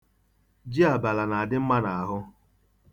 Ji abala na-adị mma n'ahụ.